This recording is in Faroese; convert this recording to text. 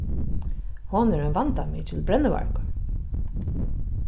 hon er ein vandamikil brennivargur